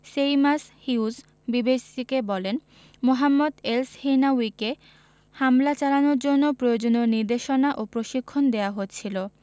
Seamus Hughes বিবিসিকে বলেন Mohamed এলসহিনাউয়িকে হামলা চালানোর জন্য প্রয়োজনীয় নির্দেশনা ও প্রশিক্ষণ দেওয়া হচ্ছিল